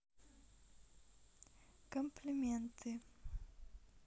комплименты